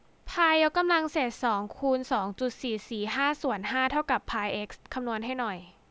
พายยกกำลังเศษสองคูณสองจุดสี่สี่ห้าส่วนห้าเท่ากับพายเอ็กซ์คำนวณให้หน่อย